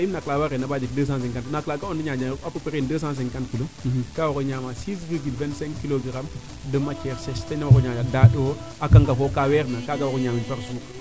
naak la warena bo ƴut deux cent cinquante naak la ga'oona o a peut pres in deux cent cinquante kilo kaa waro ñaama six virgule vingt cinq kilogramme de matiere daandoo a kangafoo kaa weerna kaga waro ñamin par jour